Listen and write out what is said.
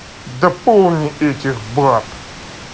дополни этих баб